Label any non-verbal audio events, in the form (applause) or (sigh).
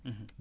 (hesitation) (hesitation)